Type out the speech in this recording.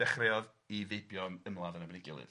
dechreuodd 'i feibion ymladd yn erbyn 'i gilydd.